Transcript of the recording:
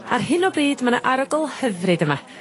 Ar hyn o bryd ma' 'na arogl hyfryd yma